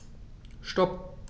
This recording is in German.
Stop.